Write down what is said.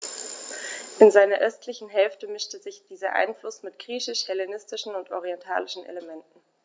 In seiner östlichen Hälfte mischte sich dieser Einfluss mit griechisch-hellenistischen und orientalischen Elementen.